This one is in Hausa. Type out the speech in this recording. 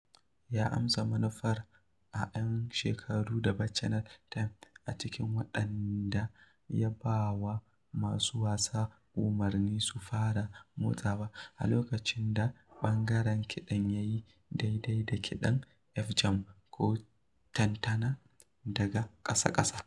Super Blue ta zo da wani tsari wa irin waƙar da take aiki a kan titi: ya sake cin gasar a 1995 da waƙarsa da mai masa kiɗa Brian Lara, a inda ya umarci masu sauraronsa da su "ɗaga hannayensu a cashe".